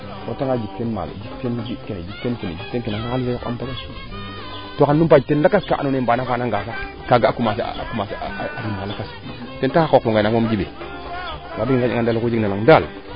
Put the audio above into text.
o reta nga jik teen maalo jik teen kene jik teen kene xalis fe yoq ampagaay to xan nu mbaanj tin lakas kaa ando naye mbaana maada nga sax kaaga a commencer a rim xa lakas ten taxu a qooq fo ngay naak moom Djiby oxu jeg na laŋ daal